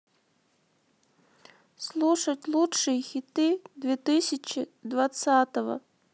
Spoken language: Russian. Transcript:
слушать лучшие хиты две тысячи двадцатого